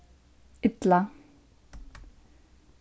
illa